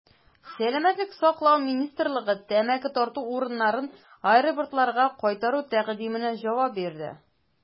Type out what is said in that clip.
Сәламәтлек саклау министрлыгы тәмәке тарту урыннарын аэропортларга кайтару тәкъдименә җавап бирде.